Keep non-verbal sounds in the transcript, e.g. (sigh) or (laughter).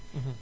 (hesitation) (hesitation)